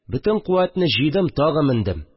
Бөтен куәтне җыйдым, тагы мендем